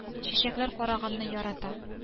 - укы менә моны!